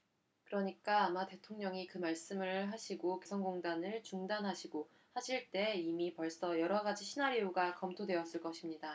그러니까 아마 대통령이 그 말씀을 하시고 개성공단을 중단하시고 하실 때 이미 벌써 여러 가지 시나리오가 검토되었을 것입니다